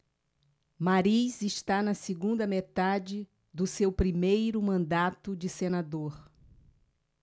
mariz está na segunda metade do seu primeiro mandato de senador